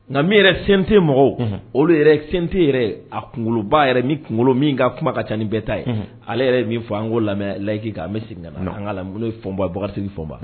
Nka min yɛrɛ fɛnte mɔgɔw olu yɛrɛ fɛnte yɛrɛ a kunkoloba yɛrɛ kunkolo min ka kuma ka ca ni bɛɛ ta ye ale yɛrɛ min fɔ an' lamɛn layiki an bɛ sigi la nba fɔɔnba